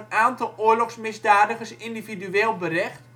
aantal oorlogsmisdadigers individueel berecht